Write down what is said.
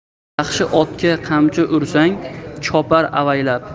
yaxshi otga qamchi ursang chopar avaylab